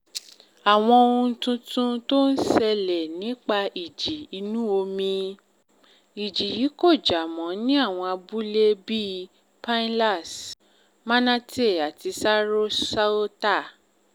Àwọn ohun tuntun tó ń ṣẹlẹ̀ nípa ìjì inú omi: Ìjì yí kò jà mọ́ ní àwọn abúlé bíi Pinellas, Manatee àti Sarasota